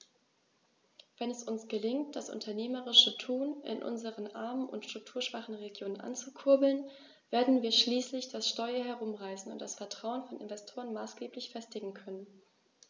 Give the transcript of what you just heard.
Wenn es uns gelingt, das unternehmerische Tun in unseren armen und strukturschwachen Regionen anzukurbeln, werden wir schließlich das Steuer herumreißen und das Vertrauen von Investoren maßgeblich festigen können.